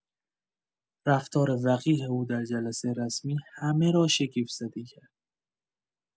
رفتار وقیح او در جلسه رسمی، همه را شگفت‌زده کرد.